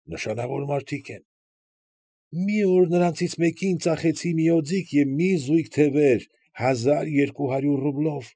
Նշանավոր մարդիկ են։ Մի օր նրանցից մեկին ծախեցի մի օձիք և մի զույգ թևեր՝ հազար երկու հարյուր ոուբլով։